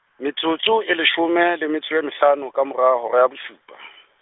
metsotso e leshome, le metso e mehlano, ka mora hora ya bosupa.